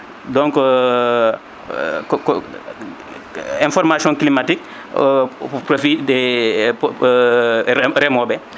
donc ko ko information climatique pafide reemoɓe